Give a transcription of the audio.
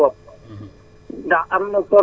maa koy defaral sama bopp